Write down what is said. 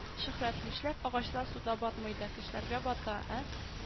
– шөһрәт, нишләп агачлар суда батмый да, кешеләр бата, ә